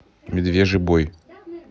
медвежий бой